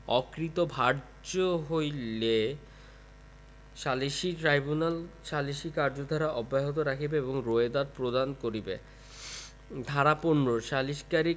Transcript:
অকৃতভার্য হইলে সালিসী ট্রাইব্যুনাল সালিসী কার্যধারা অব্যাহত রাখিবে এবং রোয়েদাদ প্রদান করিবে ধারা ১৫ সালিসকারীর